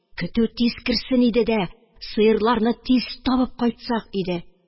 Көтү тиз керсен иде дә, сыерларны тиз табып кайтсак иде.